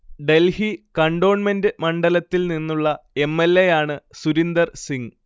Delhi cantonment മണ്ഡലത്തിൽ നിന്നുള്ള M. L. A യാണ് സുരിന്ദർ സിങ്